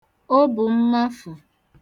obùmmafù